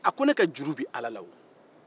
a ko ne ka juru be ala la o